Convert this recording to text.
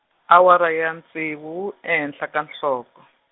awara ya ntsevu ehenhla ka nhloko.